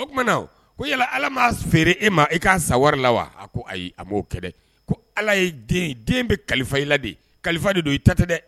O tuma yala ala' feere e ma e k'a sa wari la wa a ayi a'o ko ala ye bɛ kalifa i la kalifa de don i ta tɛ dɛ